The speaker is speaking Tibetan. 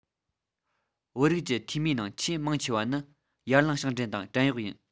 བོད རིགས ཀྱི འཐུས མིའི ནང ཆེས མང ཆེ བ ནི ཡར ལངས ཞིང བྲན དང བྲན གཡོག ཡིན